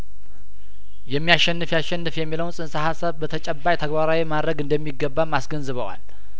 የሚ ያሸንፍ ያሸንፍ የሚለውን ጽንሰ ሀሳብ በተጨባጭ ተግባራዊ ማድረግ እንደሚገባም አስገንዝበዋል